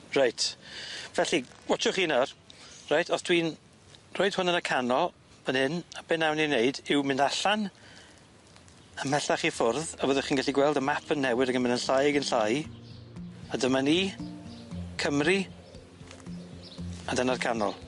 Reit felly watsiwch chi nawr reit os dwi'n rhoid hwn yn y canol fan 'yn a be' nawn ni neud yw mynd allan ymhellach i ffwrdd a fyddwch chi'n gallu gweld y map yn newid ag yn mynd yn llai ag yn llai a dyma ni Cymru a dyna'r canol.